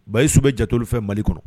Bayisu bɛ jate olu fɛ Mali kɔnɔ.